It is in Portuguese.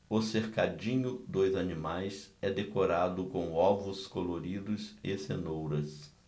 o cercadinho dos animais é decorado com ovos coloridos e cenouras